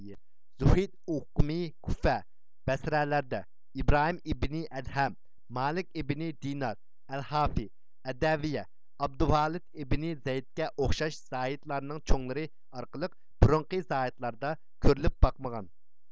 زۇھد ئوقۇمى كۇفە بەسرەلەردە ئىبراھىم ئىبنى ئەدھەم مالىك ئىبنى دىينار ئەلھافىي ئەدەۋىييە ئابدۇلۋاھىد ئىبنى زەيدكە ئوخشىغان زاھىدلارنىڭ چوڭلىرى ئارقىلىق بۇرۇنقى زاھىدلاردا كۆرۈلۈپ باقمىغان